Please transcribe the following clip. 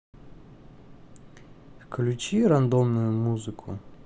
включи рандомную музыку